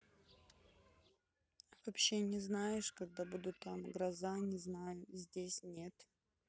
а вообще не знаешь когда буду там гроза не знаю здесь нет